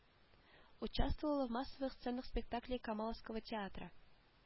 Участвовала в массовых сценах спектаклей камаловского театра